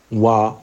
Wa